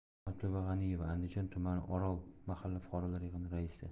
matluba g'aniyeva andijon tumani orol mahalla fuqarolar yig'ini raisi